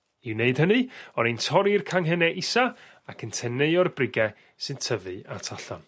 I wneud hynny o'n i'n torri'r canghenne isa ac yn teneuo'r brige sy'n tyfu at allan.